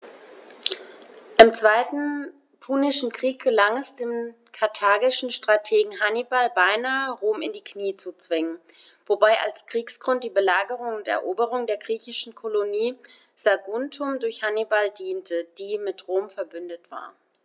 Im Zweiten Punischen Krieg gelang es dem karthagischen Strategen Hannibal beinahe, Rom in die Knie zu zwingen, wobei als Kriegsgrund die Belagerung und Eroberung der griechischen Kolonie Saguntum durch Hannibal diente, die mit Rom „verbündet“ war.